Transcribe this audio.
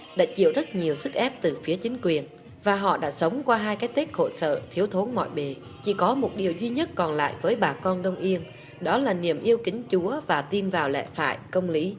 đã chịu rất nhiều sức ép từ phía chính quyền và họ đã sống qua hai cái tết khổ sở thiếu thốn mọi bề chỉ có một điều duy nhất còn lại với bà con đông yên đó là niềm yêu kính chúa và tin vào lẽ phải công lý